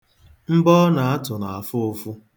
Mbọ ọ na-atụ na-afụ ụfụ.